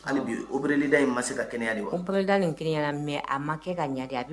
Hali bi operelida in ma se ka kɛnɛya de wa? Operelida nin kɛnɛya mais a ma kɛ ka ɲɛ de, a bɛ